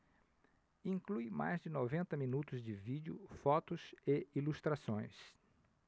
inclui mais de noventa minutos de vídeo fotos e ilustrações